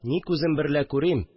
Ни күзем берлә күрим